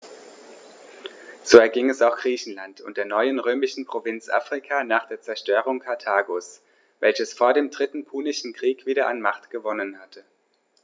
So erging es auch Griechenland und der neuen römischen Provinz Afrika nach der Zerstörung Karthagos, welches vor dem Dritten Punischen Krieg wieder an Macht gewonnen hatte.